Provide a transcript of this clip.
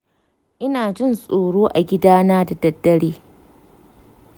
ina jin tsoro a gidana da dare.